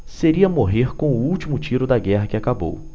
seria morrer com o último tiro da guerra que acabou